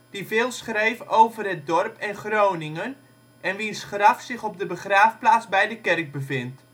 die veel schreef over het dorp en Groningen en wiens graf zich op de begraafplaats bij de kerk bevindt